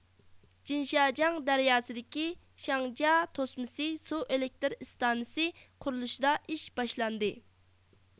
جىنشاجياڭ دەرياسىدىكى شياڭجيا توسمىسى سۇ ئېلېكتر ئىستانسىسى قۇرۇلۇشىدا ئىش باشلاندى